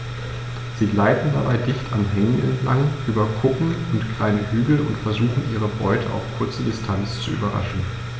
Sie gleiten dabei dicht an Hängen entlang, über Kuppen und kleine Hügel und versuchen ihre Beute auf kurze Distanz zu überraschen.